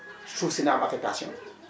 suuf si na am affectation